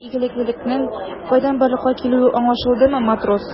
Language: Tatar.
Миндә игелеклелекнең кайдан барлыкка килүе аңлашылдымы, матрос?